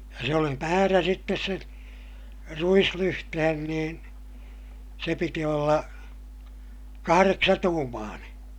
ja se oli määrä sitten sen ruislyhteen niin se piti olla kahdeksantuumainen